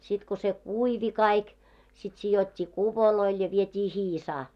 sitten kun se kuivui kaikki sitten sidottiin kuvoille ja vietiin hiisaan